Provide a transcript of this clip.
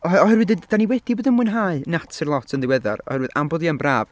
O- oherwydd d- dan ni wedi bod yn mwynhau natur lot yn ddiweddar oherwydd am bod hi yn braf.